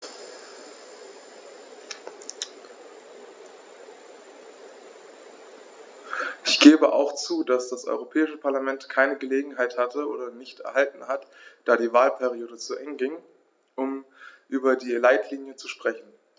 Ich gebe auch zu, dass das Europäische Parlament keine Gelegenheit hatte - oder nicht erhalten hat, da die Wahlperiode zu Ende ging -, um über die Leitlinien zu sprechen.